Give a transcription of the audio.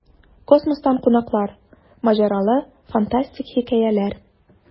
Космостан кунаклар: маҗаралы, фантастик хикәяләр.